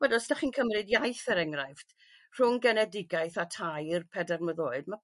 Wel os dach chi'n cymryd iaith er enghraifft rhwng genedigaeth a tair pedair mlwydd oed ma'